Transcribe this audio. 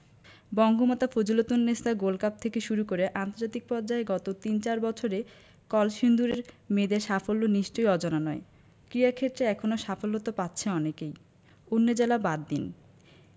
Bangamata Fazilatunnesa gold cup থেকে শুরু করে আন্তর্জাতিক পর্যায়ে গত তিন চার বছরে কলসিন্দুরের মেয়েদের সাফল্য নিশ্চয়ই অজানা নয় ক্রীড়াক্ষেত্রে এখনো সাফল্য তো পাচ্ছেন অনেকেই অন্য জেলা বাদ দিন